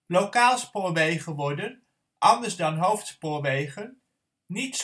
Lokaalspoorwegen worden, anders dan hoofdspoorwegen, niet